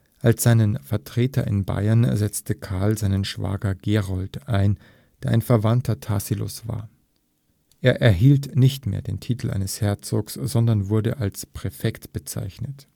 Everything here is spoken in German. Als seinen Vertreter in Baiern setzte Karl seinen Schwager Gerold ein, der ein Verwandter Tassilos war. Er erhielt nicht mehr den Titel eines Herzogs sondern wurde als Präfekt bezeichnet